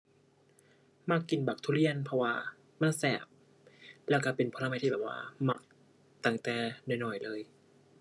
มักกินบักทุเรียน เพราะว่ามันแซ่บ แล้วก็เป็นผลไม้ที่แบบว่ามักตั้งแต่น้อยน้อยเลย